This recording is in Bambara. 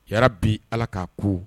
Hɛrɛ bi ala ka ko